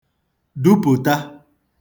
dupụ̀ta